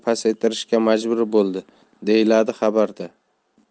pasaytirishga majbur bo'ldi deyiladi xabarda